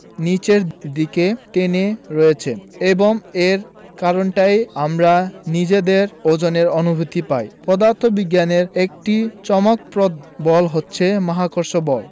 নিচের দিকে টেনে রেখেছে এবং এর কারণেই আমরা নিজেদের ওজনের অনুভূতি পাই পদার্থবিজ্ঞানের একটি চমকপ্রদ বল হচ্ছে মহাকর্ষ বল